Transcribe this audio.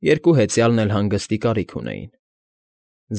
Երկու հեծյալն էլ հանգստի կարիք ունեին։